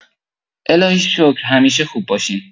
الهی شکر همیشه خوب باشین